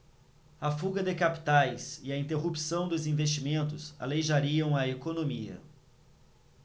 a fuga de capitais e a interrupção dos investimentos aleijariam a economia